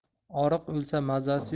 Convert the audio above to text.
oriq o'lsa mazasi